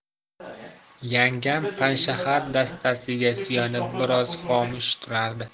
yangam panshaxa dastasiga suyanib biroz xomush turardi